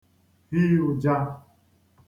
hi ụja